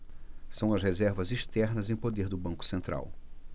são as reservas externas em poder do banco central